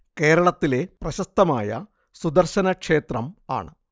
കേരളത്തിലെ പ്രശസ്തമായ സുദർശന ക്ഷേത്രം ആണ്